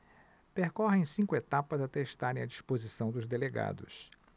percorrem cinco etapas até estarem à disposição dos delegados